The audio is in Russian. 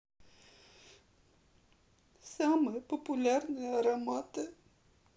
самые популярные ароматы